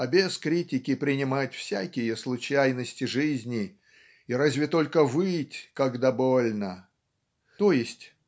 а без критики принимать всякие случайности жизни и разве только выть когда больно" т. е.